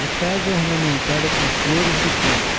a casa é ornamentada com flores do campo